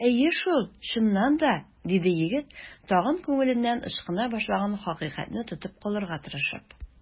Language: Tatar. Әйе шул, чыннан да! - диде егет, тагын күңеленнән ычкына башлаган хакыйкатьне тотып калырга тырышып.